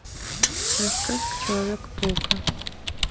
раскраска человека паука